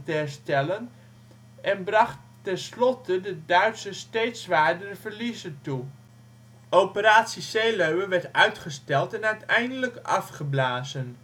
herstellen en bracht tenslotte de Duitsers steeds zwaardere verliezen toe. Operatie Seelöwe werd uitgesteld en uiteindelijk afgeblazen